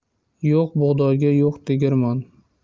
yo'q bug'doyga yo'q tegirmon